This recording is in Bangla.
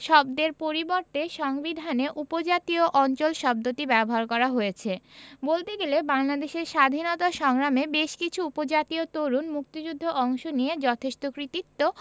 শব্দের পরিবর্তে সংবিধানে উপজাতীয় অঞ্চল শব্দটি ব্যবহার করা হয়েছে বলতে গেলে বাংলাদেশের স্বাধীনতা সংগ্রামে বেশকিছু উপজাতীয় তরুণ মুক্তিযুদ্ধে অংশ নিয়ে যথেষ্ট কৃতিত্ব